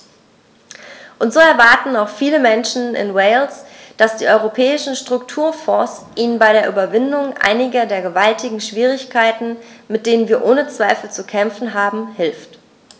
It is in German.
Und so erwarten auch viele Menschen in Wales, dass die Europäischen Strukturfonds ihnen bei der Überwindung einiger der gewaltigen Schwierigkeiten, mit denen wir ohne Zweifel zu kämpfen haben, hilft.